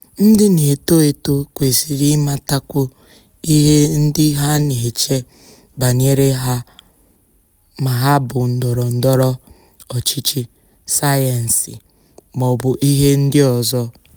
Ndị na-eto eto kwesịrị ịmatakwu ihe ndị ha na-eche banyere ha—ma hà bụ ndọrọ ndọrọ ọchịchị, sayensị, ma ọ bụ ihe ndị ọzọ.